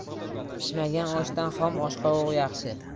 pishmagan oshdan xom oshqovoq yaxshi